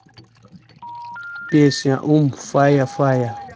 песня ум фая фая